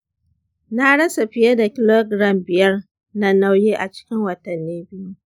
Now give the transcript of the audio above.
na rasa fiye da kilogram biyar na nauyi a cikin watanni biyu.